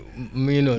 mi ngi noonu